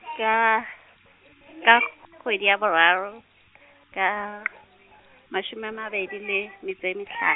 ka, ka kgwedi ya boraro, ka , mashome a mabedi a metso e mehla-.